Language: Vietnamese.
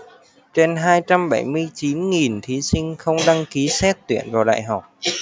trên hai trăm bảy mươi chín nghìn thí sinh không đăng ký xét tuyển vào đại học